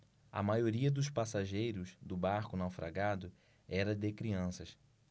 a maioria dos passageiros do barco naufragado era de crianças